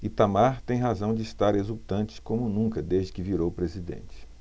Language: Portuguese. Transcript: itamar tem razão de estar exultante como nunca desde que virou presidente